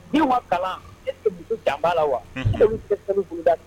Denw ma kalan e danba la wa da